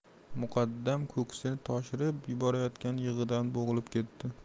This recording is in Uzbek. muqaddam ko'ksini toshirib yuborayotgan yig'idan bo'g'ilib ketdi